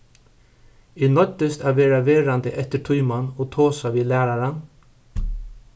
eg noyddist at verða verandi eftir tíman og tosa við læraran